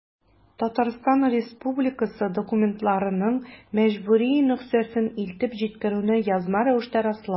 Татарстан Республикасы документларының мәҗбүри нөсхәсен илтеп җиткерүне язма рәвештә раслау.